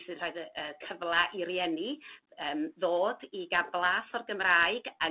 Nn sy'n rhoid y cyfla i rieni yym ddod i ga'l blas o'r Gymraeg yng